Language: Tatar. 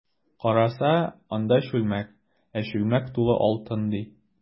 Караса, анда— чүлмәк, ә чүлмәк тулы алтын, ди.